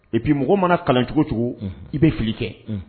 I'i mɔgɔ mana kalan cogo cogo i bɛ fili kɛ